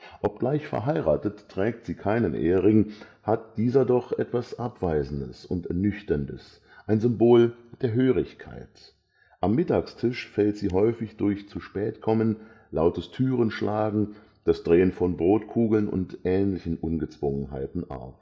Obgleich verheiratet, trägt sie keinen Ehering, hat dieser doch „ etwas Abweisendes und Ernüchterndes, (…) ein Symbol der Hörigkeit “. Am Mittagstisch fällt sie häufig durch Zu-Spät-Kommen, lautes Türenschlagen, das Drehen von Brotkugeln und ähnliche Ungezwungenheiten auf